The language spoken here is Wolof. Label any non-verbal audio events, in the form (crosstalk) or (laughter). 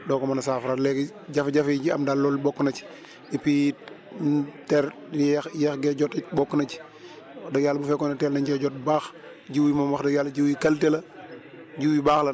doo ko mën a saafara léegi jafe-jafe yi am daal loolu bokk na ci (breath) et puis it (hesitation) teel yéex yéex gee jot it bokk na ci (breath) wax dëgg yàlla bu fekkoon ne teel nañ see jot bu baax jiw yi moom wax dëgg yàlla jiw yi qualité la jiw yu baax la